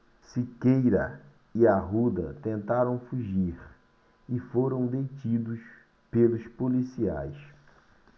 siqueira e arruda tentaram fugir e foram detidos pelos policiais